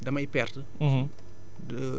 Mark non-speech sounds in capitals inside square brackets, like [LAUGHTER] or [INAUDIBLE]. [HESITATION] damay perte